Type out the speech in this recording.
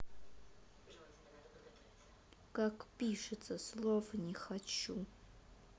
как пишется слово не хочу